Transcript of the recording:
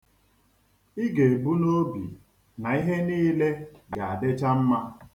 Ị ga-ebu n'obi na ihe niile ga-adịcha mma.